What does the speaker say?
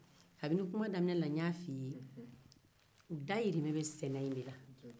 kabini kuma damine na n y'a fɔ i ye u dahirimɛ be sɛne in na